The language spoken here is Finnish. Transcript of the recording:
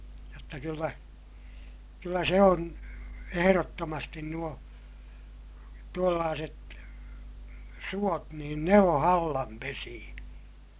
jotta kyllä kyllä se on ehdottomasti nuo tuollaiset suot niin ne on hallan pesiä